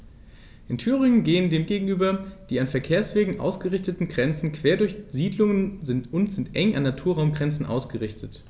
In Thüringen gehen dem gegenüber die an Verkehrswegen ausgerichteten Grenzen quer durch Siedlungen und sind eng an Naturraumgrenzen ausgerichtet.